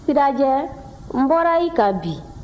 sirajɛ n bɔra i kan bi